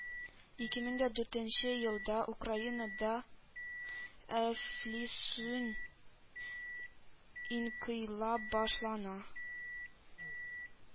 Ике мең дә дүртенче елда украинада ә флисүн инкый лаб башлана